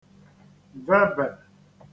vebè